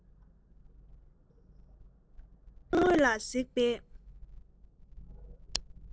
ཚོར བ དངོས ལ རེག པའི